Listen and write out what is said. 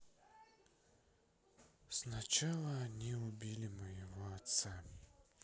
сначала они убили моего отца